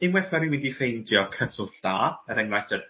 diweddar ffeindio cyswllt da er enghraifft yr